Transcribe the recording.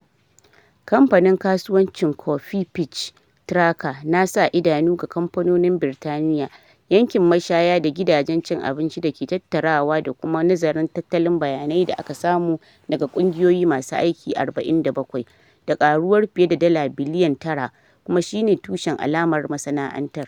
Kamfanin Kasuwancin Coffer Peach Tracker na sa idanu ga kamfanonin Birtaniya, yankin mashaya da gidajen cin abinci da ke tattarawa da kuma nazarin tattalin bayanan da aka samu daga kungiyoyi masu aiki 47, da karuwar fiye da dala biliyan 9,kuma shi ne tushen alamar masana'antar.